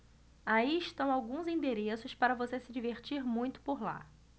aí estão alguns endereços para você se divertir muito por lá